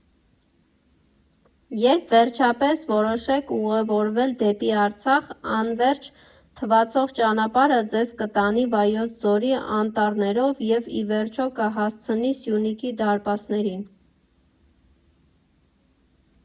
Երբ վերջապես որոշեք ուղևորվել դեպի Արցախ, անվերջ թվացող ճանապարհը ձեզ կտանի Վայոց ձորի անտառներով և, ի վերջո, կհասցնի Սյունիքի դարպասներին։